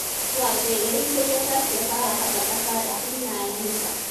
Washe-gari sai ya tashi ya fara haƙa ƙasa da hannayensa.